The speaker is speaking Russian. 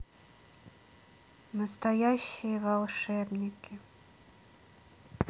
настоящие волшебники